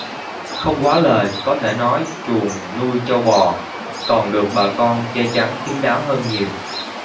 không quá lời có thể nói chuồng nuôi trâu bò còn được bà con che chắn kín đáo hơn nhiều